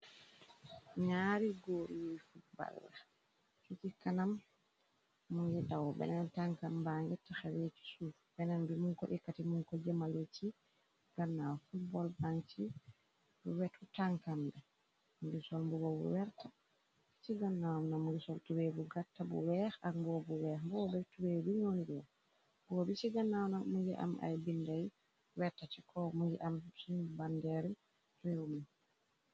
Nyaari góur yuy fubbal wex cu ci kanam munji daw beneen tanka bangi t xeree ci suuf beneen bi mun ko ikkati mun ko jëmale ci gannaaw fotbol ban ci wetu tankambe ngisol mbubo bu werta ci ci gannaaw nam ngisoltuwee bu gatta bu weex ak mboo bu weex mboo bi tuwee bi ñoonireex boo bi ci gannaaw na munji am ay bindey werta ci ko munji am sunu bandeer réew mi.